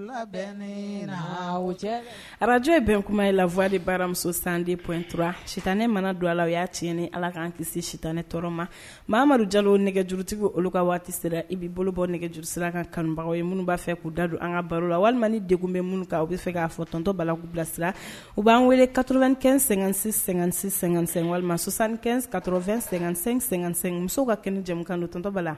Cɛ arabajo ye bɛn kuma ye la vwa baramuso san de ptura siten mana don a la o y'a ti ni ala k kanan tɛ se sitanen tɔɔrɔ ma amadu jalo nɛgɛjurutigiw olu ka waati sera i bɛ bolo bɔ nɛgɛjurusira an kan kanbagaw ye minnuba fɛ k'u da don an ka baro la walima deg bɛ minnu kan u bɛ fɛ k'a fɔ tɔntɔntɔba k'u bilasira u b'an wele kato2kɛɛn- sɛgɛn-sɛ---sɛ walimasan ka tfɛn-sɛ-sɛ musow ka kɛnɛ jamu kan don tɔntɔntɔba